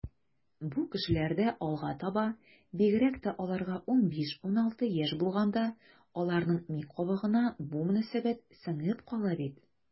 Бу кешеләрдә алга таба, бигрәк тә аларга 15-16 яшь булганда, аларның ми кабыгына бу мөнәсәбәт сеңеп кала бит.